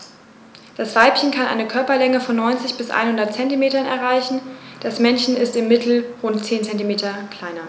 Das Weibchen kann eine Körperlänge von 90-100 cm erreichen; das Männchen ist im Mittel rund 10 cm kleiner.